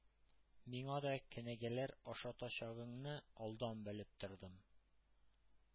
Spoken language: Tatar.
Миңа да кенәгәләр ашатачагыңны алдан белеп тордым.